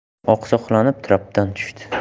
oqsoqlanib trapdan tushdi